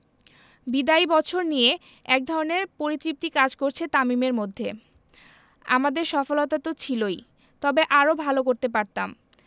বিদায়ী বছর নিয়ে একধরনের পরিতৃপ্তি কাজ করছে তামিমের মধ্যে আমাদের সফলতা তো ছিলই তবে আরও ভালো করতে পারতাম